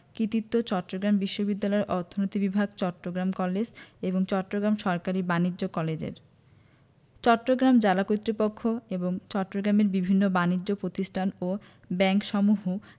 কিতিত্ব চট্টগ্রাম বিশ্ববিদ্যালয়ের অর্থনীতি বিভাগ চট্টগ্রাম কলেজ এবং চট্টগ্রাম সরকারি বাণিজ্য কলেজের চট্টগ্রাম জেলা কর্তৃপক্ষ এবং চট্টগ্রামের বিভিন্ন বানিজ্য পতিষান ও ব্যাংকসমূহ